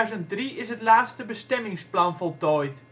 In 2003 is het laatste bestemmingsplan voltooid.